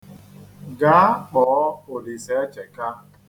Gaa, kpọọ Olisaecheka.